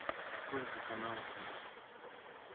сколько каналов у нас